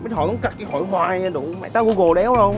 mày hỏi con cặc gì hỏi hoài vậy tao gu gồ đéo đâu